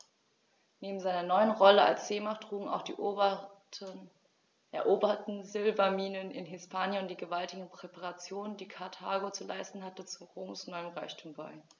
Neben seiner neuen Rolle als Seemacht trugen auch die eroberten Silberminen in Hispanien und die gewaltigen Reparationen, die Karthago zu leisten hatte, zu Roms neuem Reichtum bei.